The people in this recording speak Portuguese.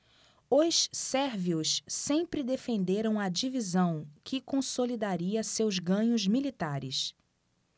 os sérvios sempre defenderam a divisão que consolidaria seus ganhos militares